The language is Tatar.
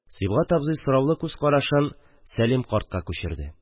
Сибгать абзый сораулы күз карашын Сәлим картка күчерде.